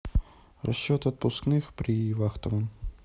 расчет отпускных при вахтовом